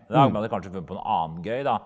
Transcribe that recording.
da hadde man jo kanskje funnet på noe annet gøy da.